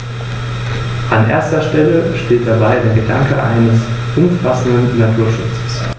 Karthago verlor alle außerafrikanischen Besitzungen und seine Flotte.